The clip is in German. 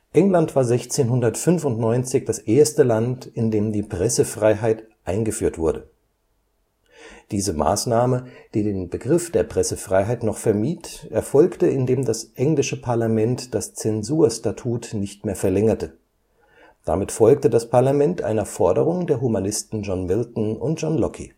England war 1695 das erste Land, in dem die Pressefreiheit eingeführt wurde. Diese Maßnahme (die den Begriff der Pressefreiheit noch vermied) erfolgte, indem das englische Parlament das Zensur-Statut nicht mehr verlängerte. Damit folgte das Parlament einer Forderung der Humanisten John Milton und John Locke